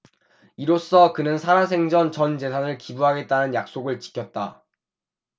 이로써 그는 살아생전 전 재산을 기부하겠다는 약속을 지켰다